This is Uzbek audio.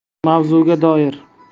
mavzuga doir